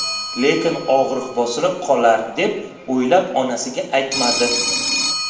lekin og'riq bosilib qolar deb o'ylab onasiga aytmadi